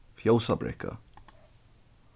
fjósabrekka